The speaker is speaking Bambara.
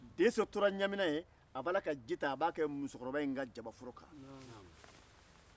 dɛsɛ tora ɲamina ye a b'a la ka ji ta k'a kɛ musokɔrɔba ka jabaforo kan